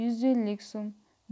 yuz ellik so'm